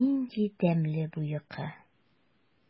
Нинди тәмле йокы бу!